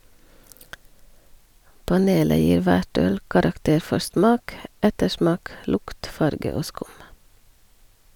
Panelet gir hvert øl karakter for smak, ettersmak, lukt, farge og skum.